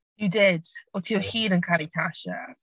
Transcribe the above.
You did. O ti o hyd yn caru Tasha.